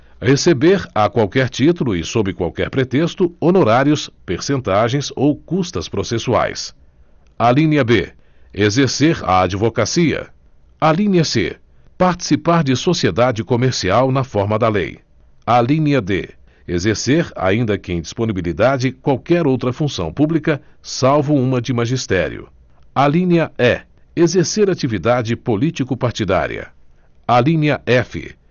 receber a qualquer título e sob qualquer pretexto honorários percentagens ou custas processuais alínea b exercer a advocacia alínea c participar de sociedade comercial na forma da lei alínea d exercer ainda que em disponibilidade qualquer outra função pública salvo uma de magistério alínea e exercer atividade político partidária alínea f